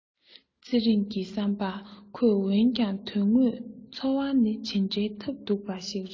ཚེ རིང གི བསམ པར ཁོས འོན ཀྱང དོན དངོས འཚོ བ ནི ཇི འདྲའི ཐབས སྡུག པ ཞིག རེད